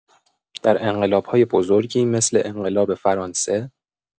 در انقلاب‌‌های بزرگی مثل انقلاب فرانسه